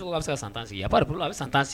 A bɛ se san si a b'a bolo a bɛ san tan san